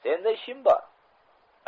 senda ishim bor